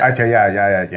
acca Ya Yaya Dieng